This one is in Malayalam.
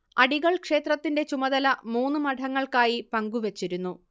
അടികൾ ക്ഷേത്രത്തിൻറെ ചുമതല മൂന്ന് മഠങ്ങൾക്കായി പങ്കുവച്ചിരുന്നു